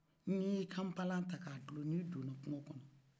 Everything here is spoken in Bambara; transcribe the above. n'i y'i ka npalan ta k'a dulon ni donna kungo kɔnɔ